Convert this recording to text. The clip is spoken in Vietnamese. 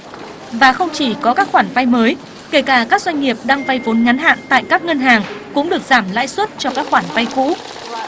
và không chỉ có các khoản vay mới kể cả các doanh nghiệp đang vay vốn ngắn hạn tại các ngân hàng cũng được giảm lãi suất cho các khoản vay cũ